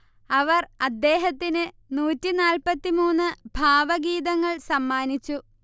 അവർ അദ്ദേഹത്തിന് നൂറ്റി നാല്പത്തി മൂന്ന് ഭാവഗീതങ്ങൾ സമ്മാനിച്ചു